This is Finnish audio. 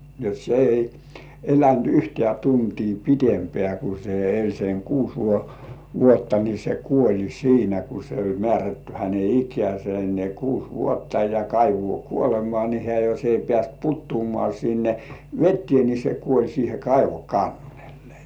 jotta se ei elänyt yhtään tuntia pidempään kun se eli sen kuusi vuotta niin se kuoli siinä kun se oli määrätty hänen ikänsä ne kuusi vuotta ja kaivoon kuolemaan niin hän jos ei päässyt putoamaan sinne veteen niin se kuoli siihen kaivon kannelle